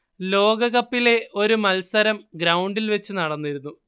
ലോകകപ്പിലെ ഒരു മത്സരം ഗ്രൗണ്ടിൽ വെച്ച് നടന്നിരുന്നു